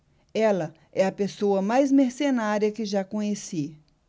ela é a pessoa mais mercenária que já conheci